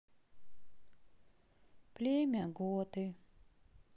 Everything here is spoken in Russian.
племя готы